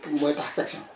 mooy tax section